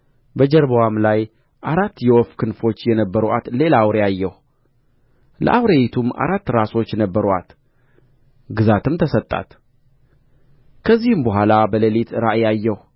በጀርባዋም ላይ አራት የወፍ ክንፎች የነበሩአት ሌላ አውሬ አየሁ ለአውሬይቱም አራት ራሶች ነበሩአት ግዛትም ተሰጣት ከዚህም በኋላ በሌሊት ራእይ አየሁ